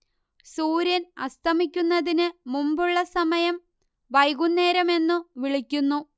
സൂര്യൻ അസ്തമിക്കുന്നതിന് മുമ്പുള്ള സമയം വൈകുന്നേരംഎന്നും വിളിക്കുന്നു